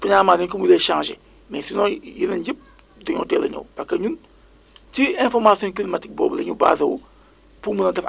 waaw ñun à notre niveau tout d' abord ma wax la ne que dèjà waa ANACIM ñoom doyen Samb